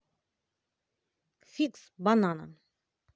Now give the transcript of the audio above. фикс банана